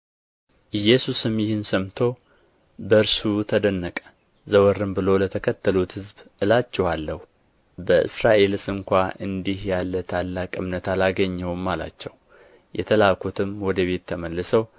ኢየሱስም ይህን ሰምቶ በእርሱ ተደነቀ ዘወርም ብሎ ለተከተሉት ሕዝብ እላችኋለሁ በእስራኤልስ እንኳ እንዲህ ያለ ትልቅ እምነት አላገኘሁም አላቸው የተላኩትም ወደ ቤት ተመልሰው